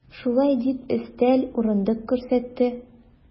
Шулай дип, өстәл, урындык күрсәтте.